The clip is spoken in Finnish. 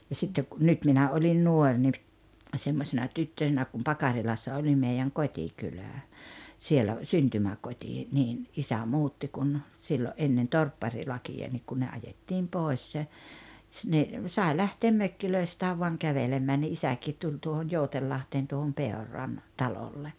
ja sitten kun nyt minä olin nuori niin semmoisena tyttösenä kun Pakarilassa oli meidän kotikylä siellä syntymäkoti niin isä muutti kun silloin ennen torpparilakia niin kun ne ajettiin pois niin sai lähteä mökeistään vain kävelemään niin isäkin tuli tuohon Jousenlahteen tuohon Peuran talolle